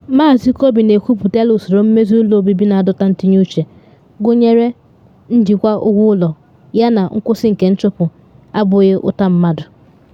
Maazị Corbyn ekwuputela usoro mmezi ụlọ obibi na adọta ntinye uche, gụnyere njikwa ụgwọ ụlọ yana nkwụsị nke nchụpụ “abụghị ụta mmadụ”.